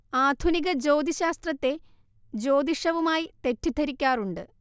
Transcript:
ആധുനിക ജ്യോതിശ്ശാസ്ത്രത്തെ ജ്യോതിഷവുമായി തെറ്റിദ്ധരിക്കാറുണ്ട്